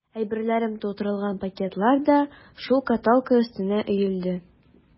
Әйберләрем тутырылган пакетлар да шул каталка өстенә өелде.